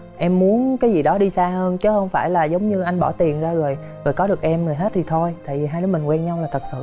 em muốn cái gì đó đi xa hơn chứ không phải giống như anh bỏ tiền ra rồi có được em rồi hết thì thôi thì hai đứa mình quen nhau là thực sự